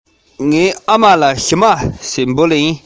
ད དུང མུ མཐུད དུ བསམ བློ བཏང ན